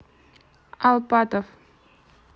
алпатов